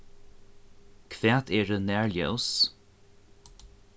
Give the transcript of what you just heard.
hvat eru nærljós